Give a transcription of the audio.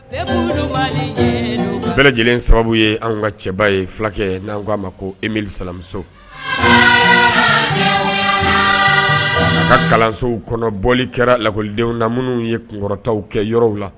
Bɛɛ lajɛlen sababu ye anw ka cɛba ye fulakɛ n'an k'a ma ko Emile Salam Sow, a ka kalansow kɔnɔ bɔli kɛra lakɔlidenw na minnu ye kunkɔrɔtaw kɛ yɔrɔw la.